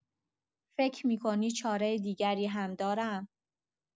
فکر می‌کنی چاره دیگری هم دارم؟